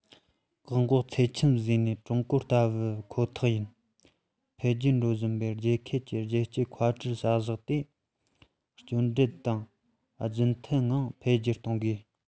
བཀག འགོག ཚབས ཆེན བཟོས ནས ཀྲུང གོ ལྟ བུའི ཁོ ཐག ཡིན འཕེལ རྒྱས འགྲོ བཞིན པའི རྒྱལ ཁབ ཀྱི རྒྱལ སྤྱིའི མཁའ འགྲུལ བྱ གཞག དེ སྐྱོན བྲལ དང རྒྱུན མཐུད ངང འཕེལ རྒྱས གཏོང དགོས